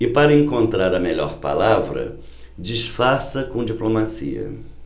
é para encontrar a melhor palavra disfarça com diplomacia